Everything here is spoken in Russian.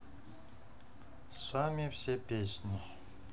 сами все песни